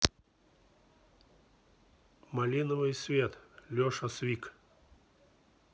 малиновый свет леша свик